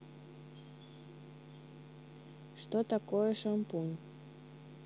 что такое шампунь